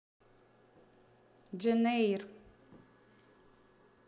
дженейр